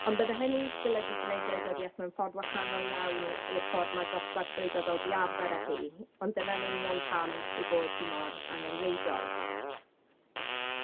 On' bydde hynny'n golygu gwneud gwleidyddieth mewn ffordd wahanol iawn i'r ffordd mae'r dosbarth gwleidyddol 'di arfer â hi, ond dyna'n union pam ei bod hi mor angenreidiol.